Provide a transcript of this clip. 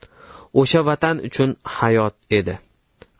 o'sha vatan uning uchun hayot edi